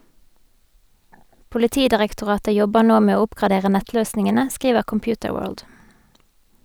Politidirektoratet jobber nå med å oppgradere nettløsningene, skriver Computerworld.